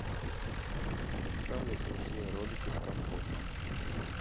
самые смешные ролики с компотом